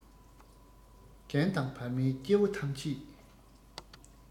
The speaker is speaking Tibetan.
རྒན དང བར མའི སྐྱེ བོ ཐམས ཅད